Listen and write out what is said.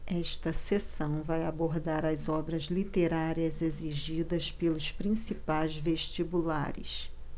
esta seção vai abordar as obras literárias exigidas pelos principais vestibulares